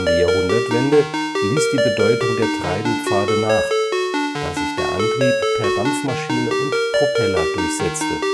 Jahrhundertwende ließ die Bedeutung der Treidelpfade nach, da sich der Antrieb per Dampfmaschine und Propeller durchsetzte